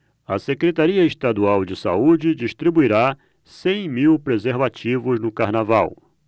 a secretaria estadual de saúde distribuirá cem mil preservativos no carnaval